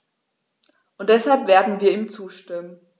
Und deshalb werden wir ihm zustimmen.